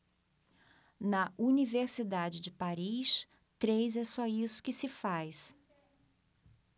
na universidade de paris três é só isso que se faz